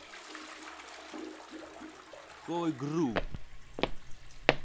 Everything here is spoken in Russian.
хуавей групп